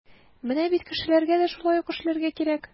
Менә бит кешеләргә дә шулай ук эшләргә кирәк.